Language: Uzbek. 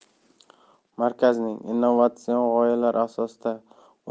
markaz innovatsion g'oyalar asosida o'zining mobil